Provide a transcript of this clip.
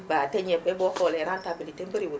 waaw te ñebe boo xoolee rentabilité am bariwul